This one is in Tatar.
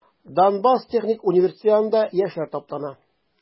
Донбасс техник университеты янында яшьләр таптана.